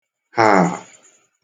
haà